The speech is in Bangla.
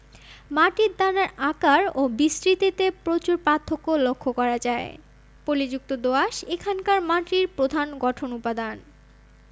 মাটির দানার আকার ও বিস্তৃতিতে প্রচুর পার্থক্য লক্ষ্য করা যায় পলিযুক্ত দোআঁশ এখানকার মাটির প্রধান গঠন উপাদান